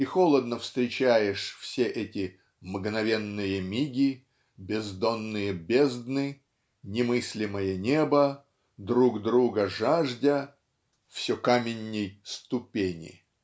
и холодно встречаешь все эти "мгновенные миги" "бездонные бездны" "немыслимое небо" "друг друга жаждя" "все каменней ступени".